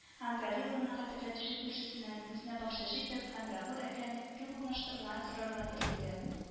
Һәм горилланы хәтерләтүче күршесеннән үзенә бакчачы итеп хәмракол әкәне кем урнаштырганын сорарга тели иде